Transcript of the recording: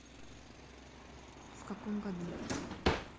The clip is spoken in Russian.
в каком году